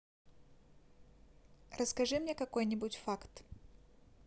расскажи какой нибудь факт